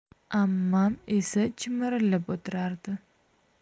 ammam esa chimirilib o'tirardi